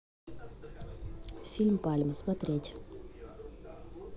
фильм пальма смотреть